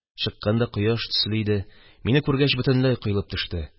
Чыкканда кояш төсле иде, мине күргәч, бөтенләй коелып төште